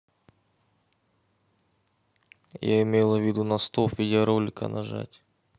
я имела ввиду на стоп видеоролика нажать